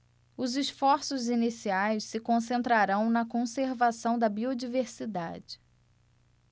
os esforços iniciais se concentrarão na conservação da biodiversidade